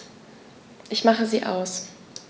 Ich mache sie aus.